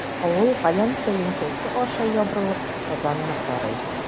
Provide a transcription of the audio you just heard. Авыл галәм тәлинкәсе аша ябырылып Казанны карый.